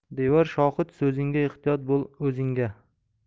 devor shohid so'zingga ehtiyot bo'l o'zingga